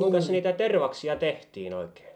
kuinkas niitä tervaksia tehtiin oikein